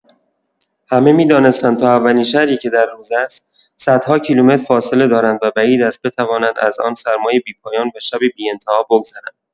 همه می‌دانستند تا اولین شهری که در روز است، صدها کیلومتر فاصله دارند و بعید است بتوانند از آن سرمای بی‌پایان و شب بی‌انتها بگذرند.